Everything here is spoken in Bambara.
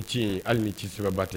Ci hali ni ci sɛba tɛ